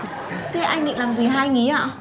thế anh định làm gì hai anh ý ạ